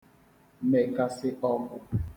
mekasị ọgwụ̀